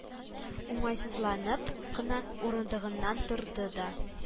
Уңайсызланып кына урындыгыннан торды да: